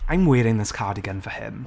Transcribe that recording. I'm wearing this cardigan for him.